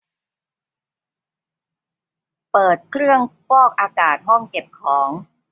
เปิดเครื่องฟอกอากาศห้องเก็บของ